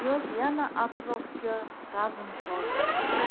niyoz yana atrofga razm soldi